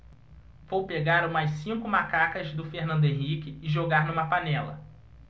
vou pegar umas cinco macacas do fernando henrique e jogar numa panela